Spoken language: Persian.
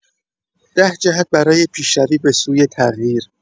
ده جهت برای پیشروی به‌سوی تغییر